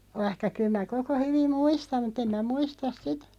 vaikka kyllä minä koko hyvin muistan mutta en minä muista sitä